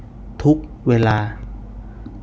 ทุกเวลา